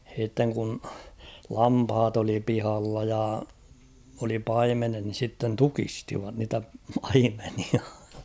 sitten kun lampaat oli pihalla ja oli paimenet niin sitten tukistivat niitä paimenia